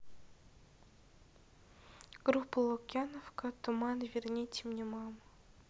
группа лукьяновка туманы верните мне маму